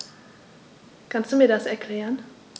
Kannst du mir das erklären?